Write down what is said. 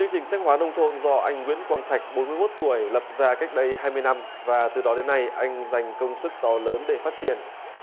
chương trình sách hóa nông thôn do anh nguyễn quang thạch bốn mươi mốt tuổi lập ra cách đây hai năm và từ đó đến nay anh dành công sức to lớn để phát triển